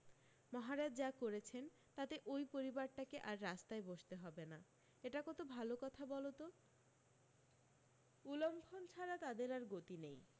মহারাজ যা করেছেন তাতে অই পরিবারটাকে আর রাস্তায় বসতে হবে না এটা কত ভাল কথা বল তো উল্লম্ফন ছাড়া তাদের আর গতি নেই